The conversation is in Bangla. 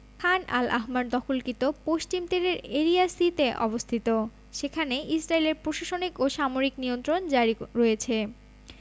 খান আল আহমার দখলীকৃত পশ্চিম তীরের এরিয়া সি তে অবস্থিত সেখানে ইসরাইলের প্রশাসনিক ও সামরিক নিয়ন্ত্রণ জারি রয়েছে